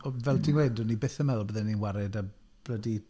Fel ti'n gweud, o'n i byth yn meddwl bydden ni'n ware 'da blydi...